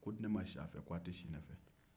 ko ni ne ma si a fɛ ko a tɛ si ne fɛ